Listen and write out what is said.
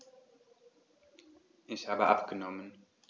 Ich habe abgenommen.